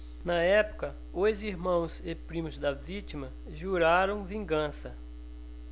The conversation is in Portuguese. na época os irmãos e primos da vítima juraram vingança